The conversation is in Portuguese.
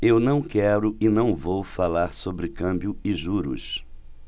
eu não quero e não vou falar sobre câmbio e juros